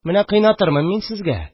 Менә кыйнатырмын мин сезгә